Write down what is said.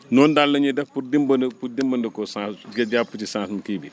noonu daal la ñuy def pour dimbali pour dimbalikoo change ngir jàpp ci changem kii bi